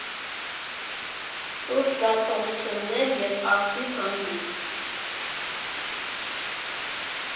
Սուր զգացողություններ և ակտիվ հանգիստ։